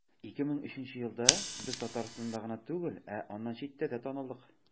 2003 елда без татарстанда гына түгел, ә аннан читтә дә танылдык.